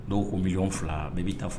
Dɔw ko million 2 bɛ bi ta fɔ